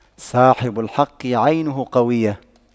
صاحب الحق عينه قوية